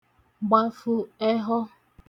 gbafụ ẹhọ